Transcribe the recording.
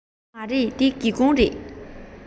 མ རེད འདི སྒེའུ ཁུང རེད